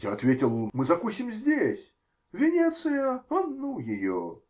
Я ответил: -- Мы закусим здесь. Венеция? А ну ее!